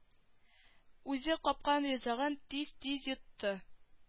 Үзе капкан ризыгын тиз-тиз йотты